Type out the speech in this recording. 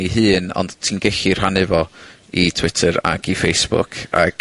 ei hun, ond ti'n gellu rhannu fo i Twitter, ac i Facebook, ac